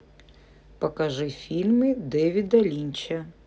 покажи фильмы дэвида линча